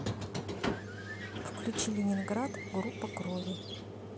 включи ленинград группа крови